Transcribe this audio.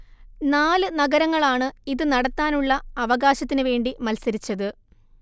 നാല് നഗരങ്ങളാണ് ഇത് നടത്താനുള്ള അവകാശത്തിന് വേണ്ടി മത്സരിച്ചത്